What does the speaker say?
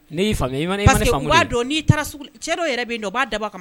N''a dɔn n'i dɔw yɛrɛ b'a daba